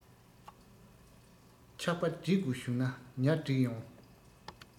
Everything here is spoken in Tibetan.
ཆགས པ སྒྲིག དགོས བྱུང ན ཉ སྒྲིག ཡོང